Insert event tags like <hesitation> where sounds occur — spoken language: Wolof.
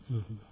<hesitation> <hesitation>